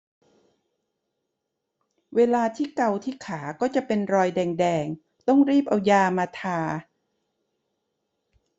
เวลาที่เกาที่ขาก็จะเป็นรอยแดงแดงต้องรีบเอายามาทา